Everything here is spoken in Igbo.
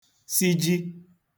siji